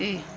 ii